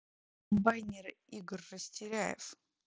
комбайнеры игорь растеряев